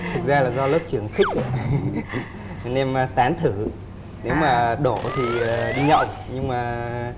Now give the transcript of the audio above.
thực ra là do lớp trưởng khích thôi hì hì nên ma tán thử nếu mà đổ thì đi nhậu nhưng mà